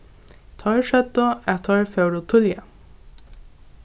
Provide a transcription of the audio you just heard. teir søgdu at teir fóru tíðliga